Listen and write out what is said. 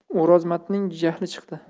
o'rozmatning jahli chiqdi